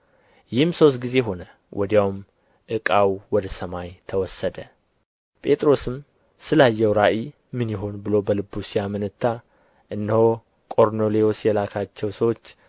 ይህም ሦስት ጊዜ ሆነ ወዲያውም ዕቃው ወደ ሰማይ ተወሰደ ጴጥሮስም ስላየው ራእይ ምን ይሆን ብሎ በልቡ ሲያመነታ እነሆ ቆርኔሌዎስ የላካቸው ሰዎች